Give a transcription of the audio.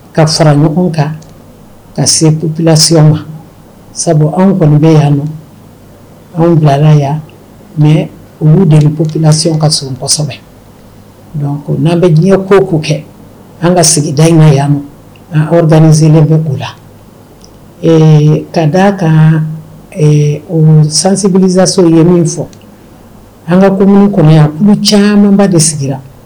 Ka fara ɲɔgɔn kan ka se kilasi ma sabu anw kɔni bɛ yan anw bilala yan mɛ u deli kilay ka so kɔsɔ kosɛbɛ n'an bɛ diɲɛ ko' kɛ an ka sigida in ka yan ma aw da z bɛ k' la ka da ka sansisaso ye min fɔ an ka ko minnu kɔnɔ yan olu camanba de sigira